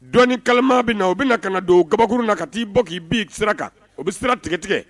Dɔɔnin kalama bɛ na u bɛna na na don kabakuru na ka t'i bɔ k'i bin sira kan o bɛ sira tigɛtigɛ